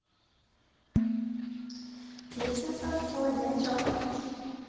песня coco я чокнуть